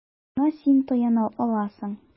Миңа син таяна аласың.